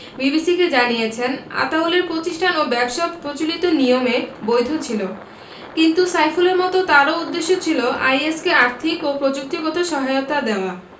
বিবিসিকে জানিয়েছেন আতাউলের প্রতিষ্ঠান ও ব্যবসা প্রচলিত নিয়মে বৈধ ছিল কিন্তু সাইফুলের মতো তারও উদ্দেশ্য ছিল আইএস কে আর্থিক ও প্রযুক্তিগত সহায়তা দেওয়া